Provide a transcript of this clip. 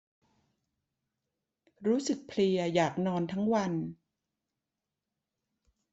รู้สึกเพลียอยากนอนทั้งวัน